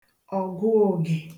ọ̀gụògè